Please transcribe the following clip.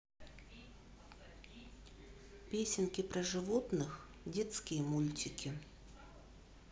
песенки про животных детские мультики